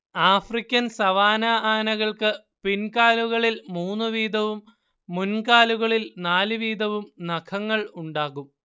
African savanna ആനകൾക്ക് പിൻകാലുകളിൽ മൂന്നു വീതവും മുൻകാലുകളിൽ നാലു വീതവും നഖങ്ങൾ ഉണ്ടാകും